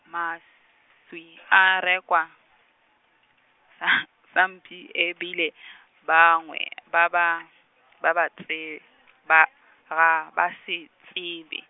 mas- swi a rekwa, sa sampshi e bile , bangwe ba ba , ba ba tseba, ga ba se tsebe.